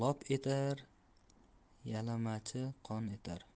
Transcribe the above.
yalamachi qon etar